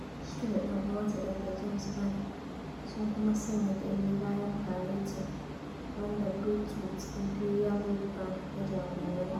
Shi da ɗan'uwansa, Dr James Vann, sun kuma sanya kyalle bayan faretin, wanda Brentwood Imperial Youth Band ya jagoranta.